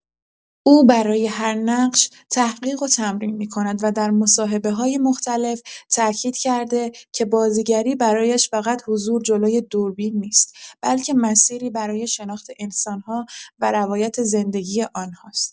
او برای هر نقش تحقیق و تمرین می‌کند و در مصاحبه‌های مختلف تأکید کرده که بازیگری برایش فقط حضور جلوی دوربین نیست، بلکه مسیری برای شناخت انسان‌ها و روایت زندگی آنهاست.